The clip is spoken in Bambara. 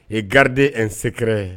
Et garder un secret